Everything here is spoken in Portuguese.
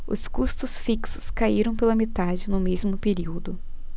os custos fixos caíram pela metade no mesmo período